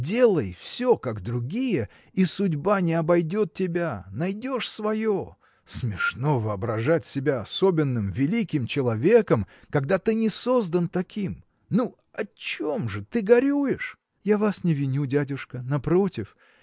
Делай все, как другие, – судьба не обойдет тебя: найдешь свое. Смешно воображать себя особенным великим человеком когда ты не создан таким! Ну о чем же ты горюешь? – Я вас не виню дядюшка напротив